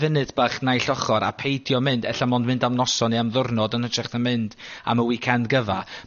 funud bach naill ochor a peidio mynd. Ella mond mynd am noson neu am ddiwrnod yn ytrach na mynd am y weekend gyfa.